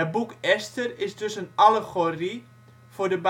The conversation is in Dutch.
boek Esther is dus een allegorie voor de